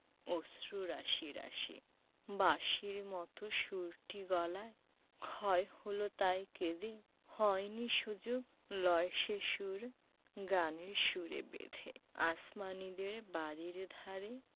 অশ্রু রাশি রাশি বাঁশির মতো সুরটি গলায় ক্ষয় হল তাই কেঁদে হয়নি সুযোগ লয় সে সুর গানের সুরে বেঁধে আসমানীদের বাড়ির ধারে